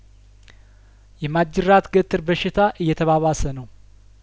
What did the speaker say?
የማጅራት ገትር በሽታ እየተባባሰ ነው